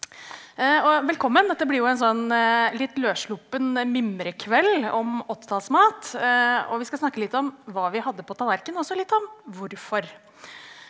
og velkommen, dette blir jo en sånn litt løssluppen mimrekveld om åttitallsmat, og vi skal snakke litt om hva vi hadde på tallerkenen, også litt om hvorfor.